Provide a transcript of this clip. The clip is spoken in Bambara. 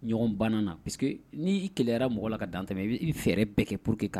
Ɲɔgɔn banna na pa que n'ii kɛlɛyara mɔgɔ la ka dantɛ i' fɛɛrɛ bɛɛ kɛ porour que kan